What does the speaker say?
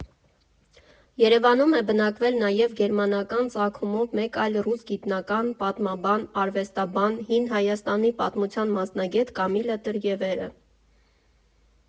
Երևանում է բնակվել նաև գերմանական ծագումով մեկ այլ ռուս գիտնական՝ պատմաբան, արվեստաբան, հին Հայաստանի պատմության մասնագետ Կամիլլա Տրևերը։